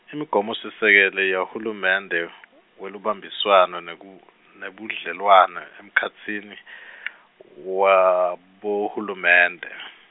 Imigomosisekelo yahulumende , welubanjiswano neku- nebudlelwano emkhatsini , wabohulumende.